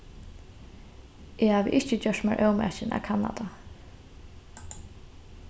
eg havi ikki gjørt mær ómakin at kanna tað